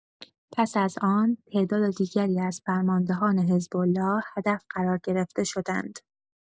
پس از آن تعداد دیگری از فرماندهان حزب‌الله هدف قرار گرفته شدند.